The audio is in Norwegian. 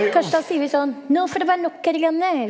kanskje da sier vi sånn, nå får det være nok her i landet.